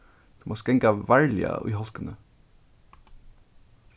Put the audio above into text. tú mást ganga varliga í hálkuni